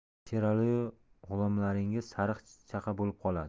sheraliyu g'ulomlaringiz sariq chaqa bo'lib qoladi